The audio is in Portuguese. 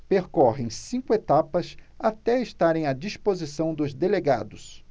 percorrem cinco etapas até estarem à disposição dos delegados